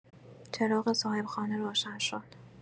چراغ صاحب‌خانه روشن شد.